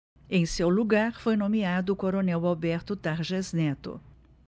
em seu lugar foi nomeado o coronel alberto tarjas neto